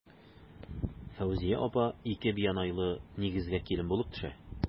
Фәүзия апа ике бианайлы нигезгә килен булып төшә.